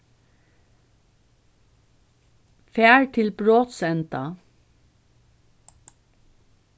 far til brotsenda